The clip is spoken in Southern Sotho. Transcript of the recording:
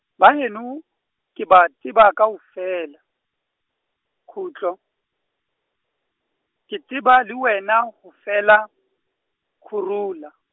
baheno, ke ba tseba kaofela, kgutlo, ke tseba le wena ho fela, kgorula.